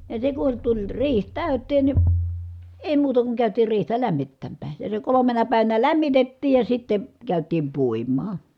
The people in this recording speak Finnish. ja se kun tuli riihi täyteen niin ei muuta kuin käytiin riihtä lämmittämään ja se kolmena päivänä lämmitettiin ja sitten käytiin puimaan